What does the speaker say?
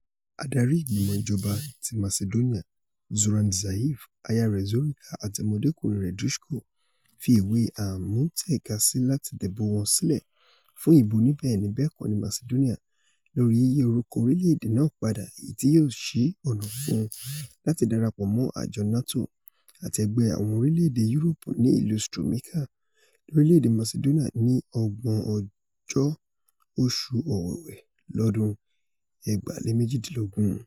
Adarí Ìgbìmọ Ìjọba ti Masidóníà Zoran Zaev, aya rẹ̀ Zorica àti ọmọdékùnrin rẹ̀ Dushko fi ìwé àmútẹ̀kasí láti dìbò wọn sílẹ̀ fún ìbò oníbẹ́ẹ̀ni-bẹ́ẹ̀kọ́ ní Masidónía lori yíyí orúkọ orílẹ̀-èdè náà pada èyití yóò sí ọ̀nà fún un láti darapọ mọ àjọ NATO àti Ẹgbẹ́ Àwọn Orilẹ'ede Yuroopu ní ìlú Strumica, lorílẹ̀-èdè Masidóníà ni ọgbọ̀nọ́jọ́ oṣù Owewe ĺọ̀dún 2018.